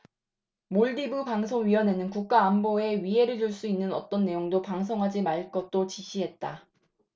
몰디브 방송위원회는 국가안보에 위해를 줄 수 있는 어떤 내용도 방송하지 말 것도 지시했다